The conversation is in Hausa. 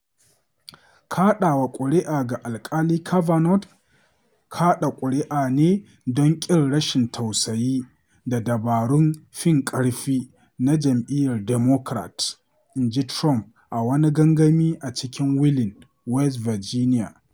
“Kaɗawa ƙuri’a ga Alkali Kavanaugh kaɗa ƙuri’a ne don ƙin rashin tausayi da dabarun fin ƙarfi na Jam’iyyar Democrat,” inji Trump a wani gangami a cikin Wheeling, West Virginia.